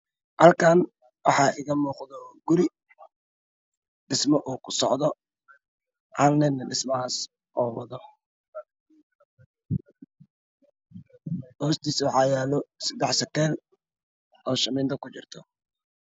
Halkaan waxaa iiga muuqdo guri oo dhismo kusocoto nin uu wado dhismaha hoostiisana waxaa yaalo seddex sakeel oo shamiito kujirto.